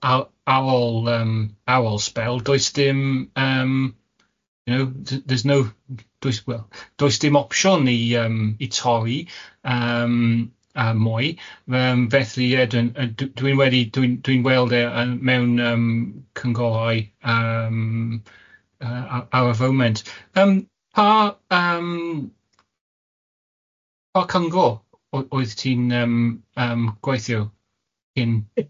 a ar ôl yym ar ol sbel does dim, yym you know, wel does dim option i torri yym mwy then felly yym dw- dwi wedi dwi'n gweld e mewn cynghorau yym yy ar y fowment, yym pa yym cyngor oedd ti'n gwaithio cyn dod ma?